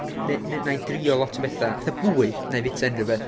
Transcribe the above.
ne- nai drio lot o betha , fatha bwyd, nai fyta unryw beth.